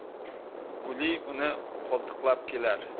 guli uni qo'ltiqlab kelar